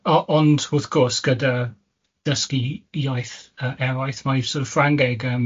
O ond wrth gwrs, gyda dysgu i- iaith yy eraill mae sor' of Ffrangeg yym